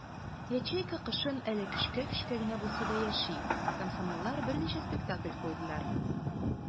Ячейка кышын әле көчкә-көчкә генә булса да яши - комсомоллар берничә спектакль куйдылар.